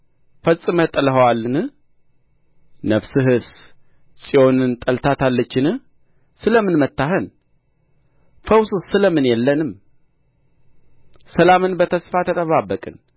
ፈጽመህ ጥለኸዋልን ነፍስህስ ጽዮንን ጠልታታለችን ስለ ምን መታኸን ፈውስስ ስለ ምን የለንም ሰላምን በተስፋ ተጠባበቅን